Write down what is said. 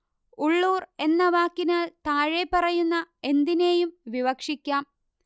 ഉള്ളൂര് എന്ന വാക്കിനാല് താഴെപ്പറയുന്ന എന്തിനേയും വിവക്ഷിക്കാം